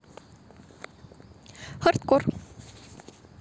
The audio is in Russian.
хардкор